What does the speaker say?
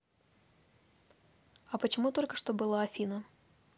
а почему только что была афина